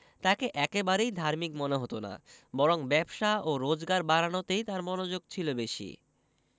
তাঁকে একেবারেই ধার্মিক মনে হতো না বরং ব্যবসা ও রোজগার বাড়ানোতেই তাঁর মনোযোগ ছিল বেশি